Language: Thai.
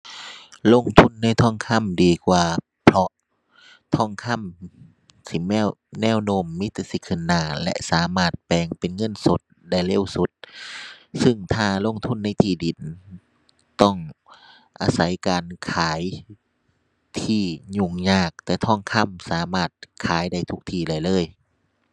ลงทุนในทองคำดีกว่า เพราะ ทองคำสิแมว แนวโน้มมีแต่สิขึ้นหน้าและสามารถแปลงเป็นเงินสดได้เร็วสุด ซึ่งถ้าลงทุนในที่ดิน ต้อง อาศัยการขายที่ยุ่งยาก แต่ทองคำสามารถขายได้ทุกที่ได้เลย